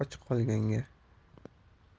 bir och qolganga